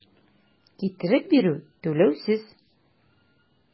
Китереп бирү - түләүсез.